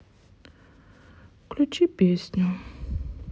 включите песню